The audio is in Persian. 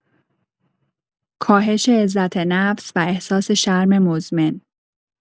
کاهش عزت‌نفس و احساس شرم مزمن